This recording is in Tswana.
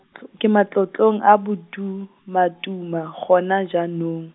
ke matlotlong a Bodumaduma go na jaanong.